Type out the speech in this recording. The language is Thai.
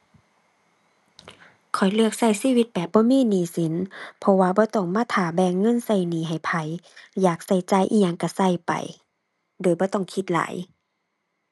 ข้อยเลือกใช้ชีวิตแบบบ่มีหนี้สิน เพราะว่าบ่ต้องมาท่าแบ่งเงินใช้หนี้ให้ไผ อยากใช้จ่ายอิหยังใช้ใช้ไป โดยบ่ต้องคิดหลาย